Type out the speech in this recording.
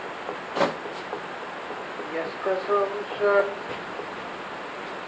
я сказал жаль